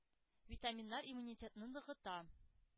Витаминнар иммунитетны ныгыта.